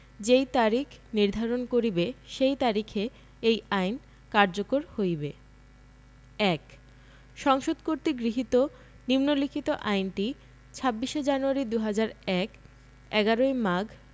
যেই তারিখ নির্ধারণ করিবে সেই তারিখে এই আইন কার্যকর হইবে ১. সংসদ কর্তৃক গৃহীত নিম্নলিখিত আইনটি ২৬শে জানুয়ারী ২০০১ ১১ই মাঘ